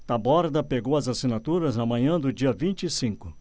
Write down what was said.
taborda pegou as assinaturas na manhã do dia vinte e cinco